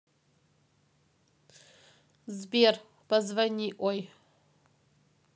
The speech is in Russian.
сбер позвони ой